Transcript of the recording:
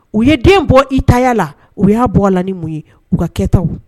U ye den bɔ i taya la, u y'a bɔ a la ni mun ye? U ka kɛtaw.